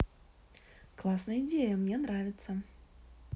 классная идея мне нравится